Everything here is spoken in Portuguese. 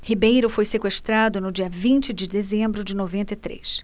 ribeiro foi sequestrado no dia vinte de dezembro de noventa e três